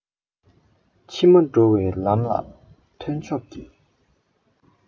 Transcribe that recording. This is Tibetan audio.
ཕྱི མ འགྲོ བའི ལམ ལ ཐོན ཆོག གྱིས